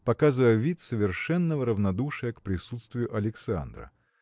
показывая вид совершенного равнодушия к присутствию Александра.